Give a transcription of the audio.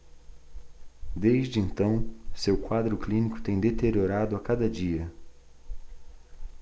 desde então seu quadro clínico tem deteriorado a cada dia